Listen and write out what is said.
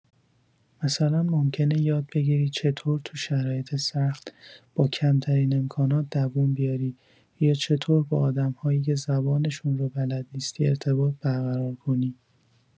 مثلا ممکنه یاد بگیری چطور تو شرایط سخت با کمترین امکانات دووم بیاری، یا چطور با آدم‌هایی که زبانشون رو بلد نیستی ارتباط برقرار کنی.